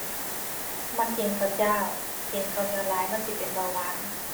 มักกินข้าวเจ้า กินข้าวเหนียวหลายมันสิเป็นเบาหวาน